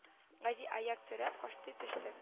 Гази аяк терәп кашти төште